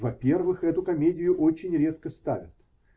Во-первых, эту комедию очень редко ставят